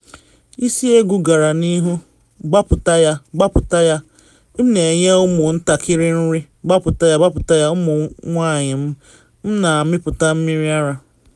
Isi egwu gara n’ihu: “Gbapụta ya, gbapụta ya, m na enye ụmụ ntakịrị nri, gbapụta ya, gbapụta ya, ụmụ nwanyị m, m na amịpụta mmiri ara.”